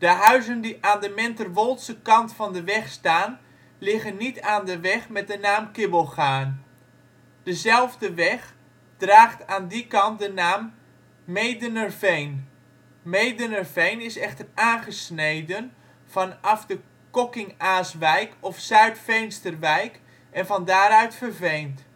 huizen die aan de Menterwoldse kant van de weg staan liggen niet aan de weg met de naam Kibbelgaarn. Dezelfde weg draagt aan die kant de naam Meedenerveen. Meedenerveen is echter aangesneden vanaf de Cokkingaaswijk of Zuidveensterwijk en van daaruit verveend